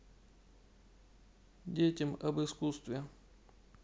детям об искусстве